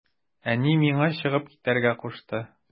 Әни миңа чыгып китәргә кушты.